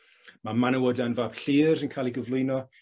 Ma' Manawydan fab Llŷr yn ca'l 'i gyflwyno